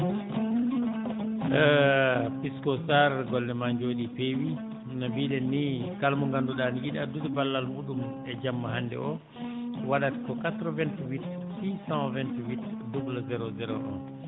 Pisco Sarr golle maa njooɗii peewi na mbiɗen ni kala mo ngannduɗaa no yiɗi addude ballal muɗum e jamma hannde o waɗata ko 88 628 00 01